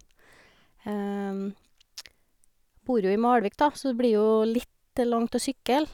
Bor jo i Malvik, da, så det blir jo litt langt å sykle.